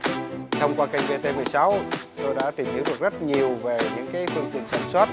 thông qua kênh bê tê mười sáu tôi đã tìm hiểu được rất nhiều về những cái phương tiện sản xuất